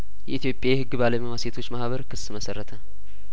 የኢትዮጵያ የህግ ባለሙያሴቶች ማህበር ክስ መሰረተ